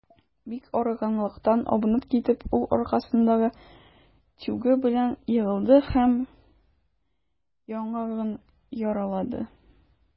Бик арыганлыктан абынып китеп, ул аркасындагы тюгы белән егылды һәм яңагын яралады.